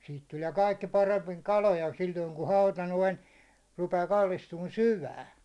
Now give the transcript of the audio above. siitä tulee kaikki paremmin kaloja silloin kun hauta noin rupeaa kallistumaan syvään